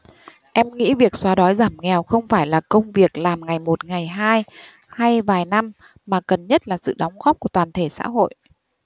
em nghĩ việc xóa đói giảm nghèo không phải là công việc làm ngày một ngày hai hay vài năm mà cần nhất là sự đóng góp của toàn thể xã hội